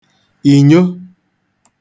ìnyo